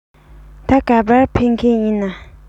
ད ག པར ཕེབས མཁན ཡིན ན